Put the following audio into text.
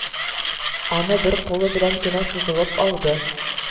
Аны бер кулы белән генә сузылып алды